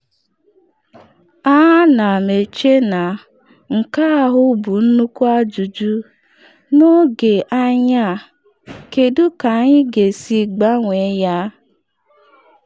A na m eche na nke ahụ bụ nnukwu ajụjụ n’oge anyị a -kedu ka anyị ga-esi gbanwee ya?